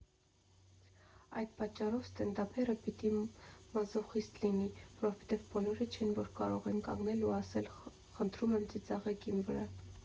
Այդ պատճառով ստենդափերը պիտի մազոխիստտ լինի, որովհետև բոլորը չեն, որ կարող են կանգնել ու ասել՝ խնդրում եմ ծիծաղեք իմ վրա։